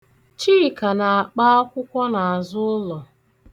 Chika na-akpa akwụkwọ n'azụ ụlọ.